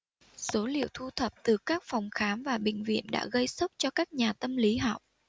số liệu thu thập từ các phòng khám và bệnh viện đã gây sốc cho các nhà tâm lý học